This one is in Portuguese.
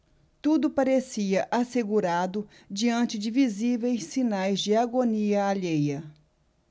tudo parecia assegurado diante de visíveis sinais de agonia alheia